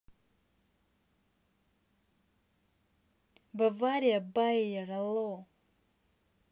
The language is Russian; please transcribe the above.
бавария байер алло